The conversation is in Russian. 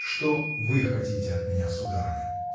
Что вы хотите от меня, сударыня?